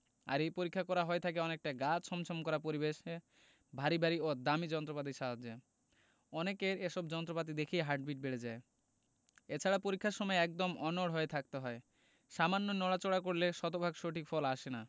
আর এই পরীক্ষা করা হয়ে থাকে অনেকটা গা ছমছম করা পরিবেশে ভারী ভারী ও দামি যন্ত্রপাতির সাহায্যে অনেকের এসব যন্ত্রপাতি দেখে হার্টবিট বেড়ে যায় এছাড়া পরীক্ষার সময় একদম অনড় হয়ে থাকতে হয় সামান্য নড়াচড়া করলে শতভাগ সঠিক ফল আসে না